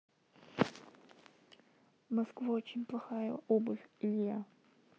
москва очень плохая обувь илья